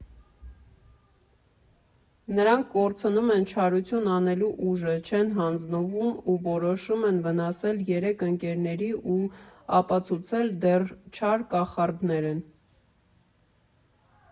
Նրանք կորցնում են չարություն անելու ուժը, չեն հանձնվում ու որոշում են վնասել երեք ընկերների ու ապացուցել՝ դեռ չար կախարդներ են։